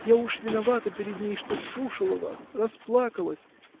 Я уж виновата перед ней, что слушала вас, расплакалась.